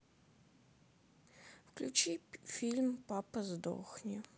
включи фильм папа сдохни